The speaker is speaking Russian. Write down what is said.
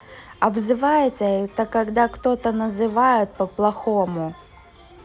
обзывается это когда кого то называют по плохому